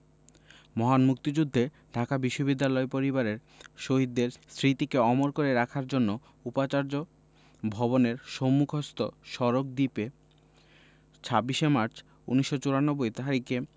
মহান মুক্তিযুদ্ধে ঢাকা বিশ্ববিদ্যালয় পরিবারের শহীদদের স্মৃতিকে অমর করে রাখার জন্য উপাচার্য ভবনের সম্মুখস্থ সড়ক দ্বীপে ২৬ মার্চ ১৯৯৪ তারিখে